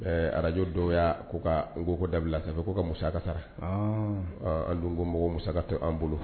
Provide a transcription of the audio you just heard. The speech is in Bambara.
Ɛɛ arajo dɔwya ko ka n ko ko dabila sa' ka musa ka sara an ko mɔgɔ musa ka tɛ anan bolo